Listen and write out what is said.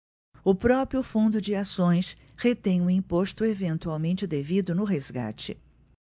o próprio fundo de ações retém o imposto eventualmente devido no resgate